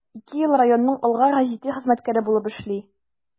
Ике ел районның “Алга” гәзите хезмәткәре булып эшли.